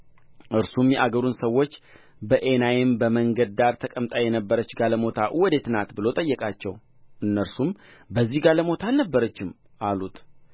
እርሱም የአገሩን ሰዎች በኤናይም በመንገድ ዳር ተቀምጣ የነበረች ጋለሞታ ወዴት ናት ብሎ ጠየቃቸው እነርሱም በዚህ ጋለሞታ አልነበረችም አሉት